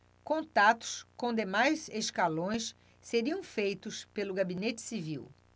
contatos com demais escalões seriam feitos pelo gabinete civil